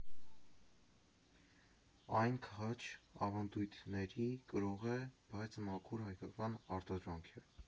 Այն ջազ ավանդույթների կրող է, բայց մաքուր հայկական արտադրանք է։